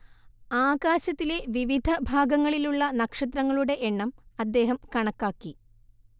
ആകാശത്തിലെ വിവിധ ഭാഗങ്ങളിലുള്ള നക്ഷത്രങ്ങളുടെ എണ്ണം അദ്ദേഹം കണക്കാക്കി